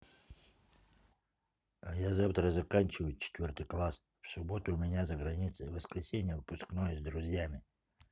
а я завтра заканчиваю четвертый класс в субботу у меня заграница воскресенье выпускной с друзьями